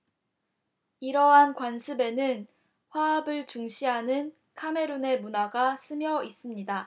이러한 관습에는 화합을 중시하는 카메룬의 문화가 스며 있습니다